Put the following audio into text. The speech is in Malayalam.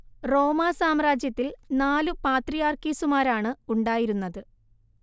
റോമാ സാമ്രാജ്യത്തിൽ നാലു പാത്രിയാർക്കീസുമാരാണ് ഉണ്ടായിരുന്നത്